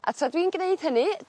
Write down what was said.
a tra dwi'n gneud hynny